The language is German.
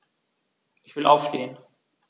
Ich will aufstehen.